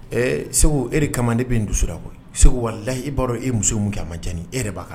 Ɛ segu e de kama ne bɛ dusukɔ segu wala i b'a dɔn e muso min kɛ a ma diyaani e yɛrɛ b'a la